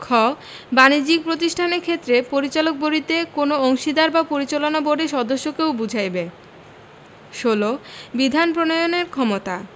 খ বাণিজ্যিক প্রতিষ্ঠানের ক্ষেত্রে পরিচালক বলিতে কোন অংশীদার বা পরিচালনা বোর্ডের সদস্যকেও বুঝাইবে ১৬ বিধি প্রণয়নের ক্ষমতা